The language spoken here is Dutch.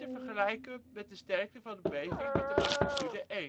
met de sterkte van een beving met magnitude 1. Een